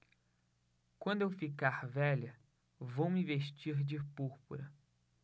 quando eu ficar velha vou me vestir de púrpura